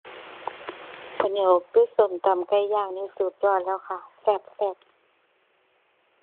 ข้าวเหนียวคือส้มตำไก่ย่างนี่สุดยอดแล้วค่ะ แซ่บแซ่บ